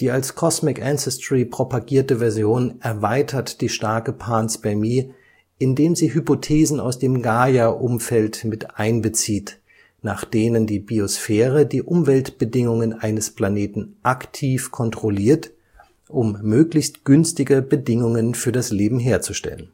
als Cosmic Ancestry propagierte Version erweitert die starke Panspermie, indem sie Hypothesen aus dem Gaia-Umfeld mit einbezieht, nach denen die Biosphäre die Umweltbedingungen eines Planeten aktiv kontrolliert, um möglichst günstige Bedingungen für das Leben herzustellen